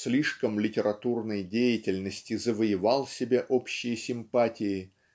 слишком литературной деятельности завоевал себе общие симпатии